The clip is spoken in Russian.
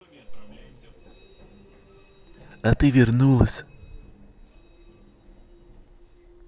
я ты вернулась